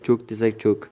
cho'k desa cho'k